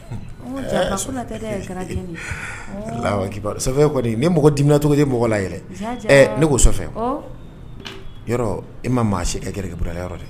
La kɔni mɔgɔ dimina tɔgɔ ye mɔgɔ la ne ko i ma maa si ka gɛrɛ yɔrɔ dɛ